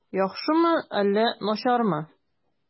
Яхшымы әллә начармы?